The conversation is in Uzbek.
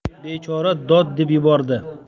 bechora dod deb yubordi